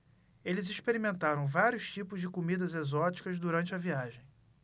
eles experimentaram vários tipos de comidas exóticas durante a viagem